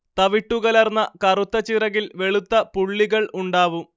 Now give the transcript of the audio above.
തവിട്ടുകലർന്ന കറുത്ത ചിറകിൽ വെളുത്ത പുള്ളികൾ ഉണ്ടാവും